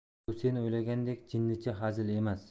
bu sen o'ylagandek jinnicha hazil emas